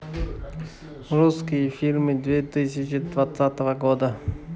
русские фильмы две тысячи двадцатого года